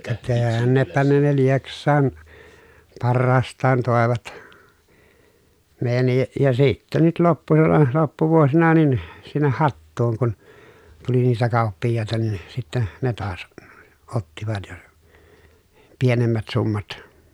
ka tännepä ne ne Lieksaan parhaastaan toivat meidänkin ja sitten nyt loppusalla loppuvuosina niin sinne Hattuun kun tuli niitä kauppiaita niin sitten ne taas ottivat ja pienemmät summat